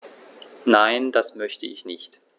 Nein, das möchte ich nicht.